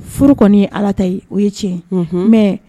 Furu kɔni ye Ala ta ye, o ye tiɲɛ ye, unhun mais